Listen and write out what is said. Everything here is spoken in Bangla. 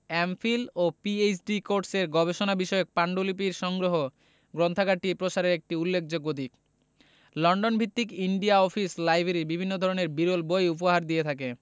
এম.ফিল ও পিএইচ.ডি কোর্সের গবেষণা বিষয়ক পান্ডুলিপির সংগ্রহ গ্রন্থাগারটি প্রসারের একটি উল্লেখযোগ্য দিক লন্ডন ভিত্তিক ইন্ডিয়া অফিস লাইব্রেরি বিভিন্ন ধরনের বিরল বই উপহার দিয়ে থাকে